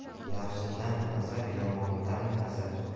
yaxshidan nazar yomondan hazar